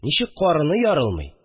Ничек карыны ярылмый